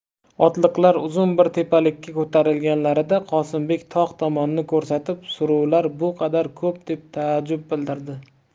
otliqlar uzun bir tepalikka ko'tarilganlarida qosimbek tog' tomonni ko'rsatib suruvlar bu qadar ko'p deb taajjub bildirdi